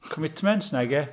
Commitments, nage.